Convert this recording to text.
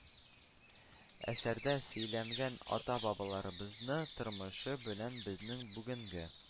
Әсәрдә сөйләнгән ата-бабаларыбыз тормышы белән безнең бүгенге